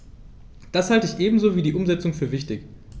Das halte ich ebenso wie die Umsetzung für wichtig.